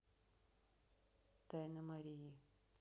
тайна марии